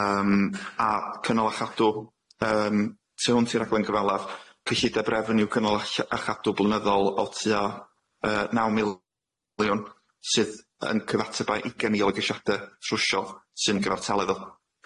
Yym a cynnal a chadw yym tua hwnt i raglen cyfalaf cyllide brefn i'w cynnal a ll- a chadw blynyddol o tua yy naw mil liwn sydd yn cyfateba' ugen mil o gesiade trwsio sy'n gyfartaledd o